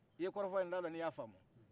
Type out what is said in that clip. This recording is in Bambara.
i ye kɔrɔfɔ yin n't'a lo n'iya famu